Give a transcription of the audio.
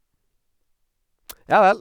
Javel.